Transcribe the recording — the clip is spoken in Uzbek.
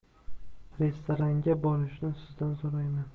restaranga borishni sizdan so'rayman